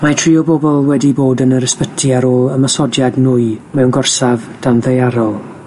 Mae tri o bobol wedi bod yn yr ysbyty ar ôl ymosodiad nwy mewn gorsaf danddaearol